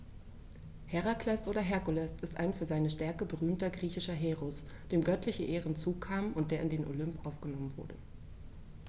Herakles oder Herkules ist ein für seine Stärke berühmter griechischer Heros, dem göttliche Ehren zukamen und der in den Olymp aufgenommen wurde.